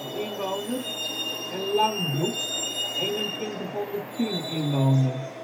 inwoners) en Langbroek (2110 inwoners